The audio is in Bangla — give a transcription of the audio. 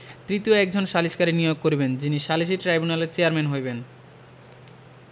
তৃতীয় একজন সালিসকারী নিয়োগ করিবেন যিনি সালিসী ট্রাইব্যুনালের চেয়ারম্যান হইবেন